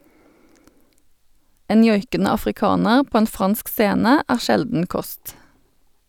En joikende afrikaner på en fransk scene, er sjelden kost.